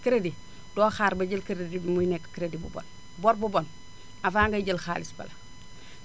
crédit doo xaar ba jël crédit muy nekk crédit bu bon bor bu bon avant ngay jël xaalis ba la